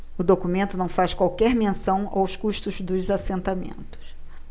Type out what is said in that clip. o documento não faz qualquer menção aos custos dos assentamentos